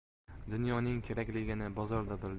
dunyoning kerakligini bozorda